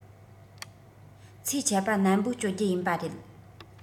ཚེ ཆད པ ནན པོ གཅོད རྒྱུ ཡིན པ རེད